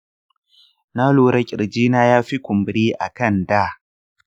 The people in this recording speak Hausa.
na lura ƙirjina ya fi kumburi akan da.